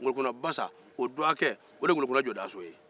ŋolokunna basa dɔgɔkɛ ye ŋolokunna jɔdaaso ye